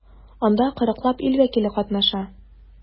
Анда 40 лап ил вәкиле катнаша.